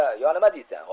yo nima deysan